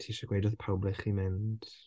Ti isie gweud wrth pawb ble chi'n mynd?